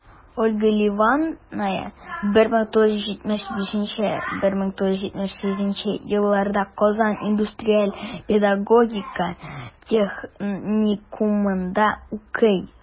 Ольга Левадная 1975-1978 елларда Казан индустриаль-педагогика техникумында укый.